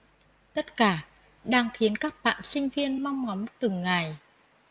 tất cả đang khiến các bạn sinh viên mong ngóng từng ngày